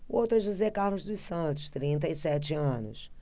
o outro é josé carlos dos santos trinta e sete anos